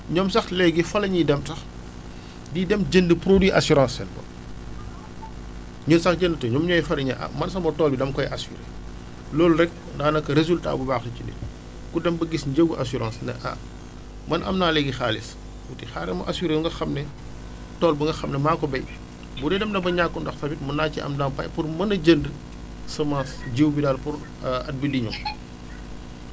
ñoom sax léegi fa la ñuy dem sax di dem jëndi produit assurance seen bopp ñun sax jëndatuñu ñoom ñooy far ni ah man bopp tool bi dama koy assuré loolu rek daanaka résultat bu baax la ci mbir mi ku dem ba gis njëgu assurance ne ah man am naa léegi xaalis tuuti xaaral ma assuré wu nga xam ne tool ba nga xam ne maa ko béy bu dee dem na ba ñàkk ndox tamit mën naa ci am ndampaay pour mën a jënd semence jiw bi daal pour at bii di ñëw